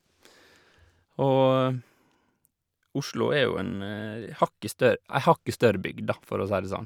Og Oslo er jo en hakket størr ei hakket størret bygd, da, for å si det sånn.